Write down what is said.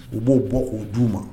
U b'o bɔ o d'u ma